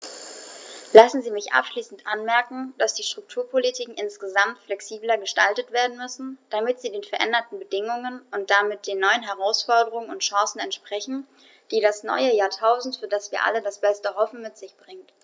Lassen Sie mich abschließend anmerken, dass die Strukturpolitiken insgesamt flexibler gestaltet werden müssen, damit sie den veränderten Bedingungen und damit den neuen Herausforderungen und Chancen entsprechen, die das neue Jahrtausend, für das wir alle das Beste hoffen, mit sich bringt.